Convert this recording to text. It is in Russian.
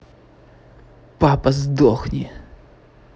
папа сдохни